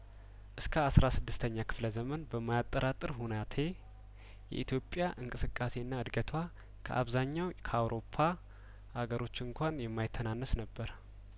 እስከ አስራ ስድስተኛ ክፍለ ዘመን በማያጠራጥር ሁናቴ የኢትዮጵያ እንቅስቃሴና እድገቷ ከአብዛኛው ከአውሮፓ አገሮች እንኳን የማይተናነስ ነበር